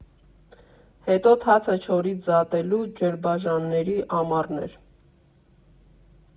Հետո թացը չորից զատելու, ջրբաժանների ամառն էր.